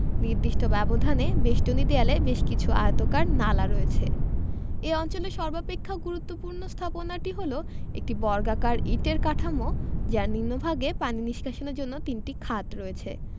নির্দিষ্ট ব্যবধানে বেষ্টনী দেয়ালে বেশ কিছু আয়তাকার নালা রয়েছে এ অঞ্চলের সর্বাপেক্ষা গুরুত্বপূর্ণ স্থাপনাটি হলো একটি বর্গাকার ইটের কাঠামো যার নিম্নভাগে পানি নিষ্কাশনের জন্য তিনটি খাত রয়েছে